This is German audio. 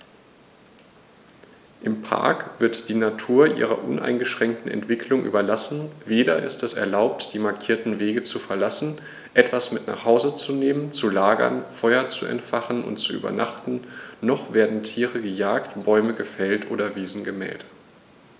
Im Park wird die Natur ihrer uneingeschränkten Entwicklung überlassen; weder ist es erlaubt, die markierten Wege zu verlassen, etwas mit nach Hause zu nehmen, zu lagern, Feuer zu entfachen und zu übernachten, noch werden Tiere gejagt, Bäume gefällt oder Wiesen gemäht.